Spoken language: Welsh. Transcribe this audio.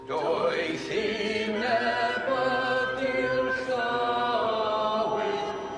Doethineb ydyw llaw ef